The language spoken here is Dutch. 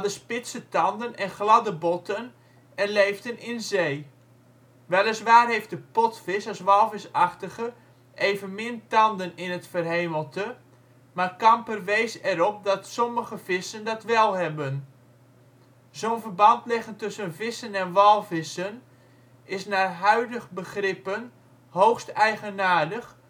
spitse tanden en gladde botten en leefden in zee. Weliswaar heeft de potvis, als walvisachtige, evenmin tanden in het verhemelte, maar Camper wees erop dat sommige vissen dat wel hebben. Zo 'n verband leggen tussen vissen en walvissen is naar huidige begrippen hoogst eigenaardig